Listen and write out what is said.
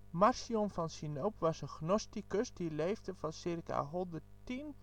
Marcion van Sinope was een gnosticus, die leefde van ca. 110-160